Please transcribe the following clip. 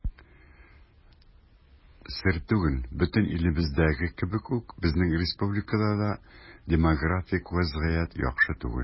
Сер түгел, бөтен илебездәге кебек үк безнең республикада да демографик вазгыять яхшы түгел.